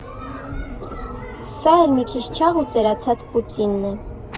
Սա էլ մի քիչ չաղ ու ծերացած Պուտինն է…